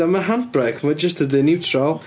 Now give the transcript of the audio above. Mae handbrake... ma' jyst yn deud niwtral.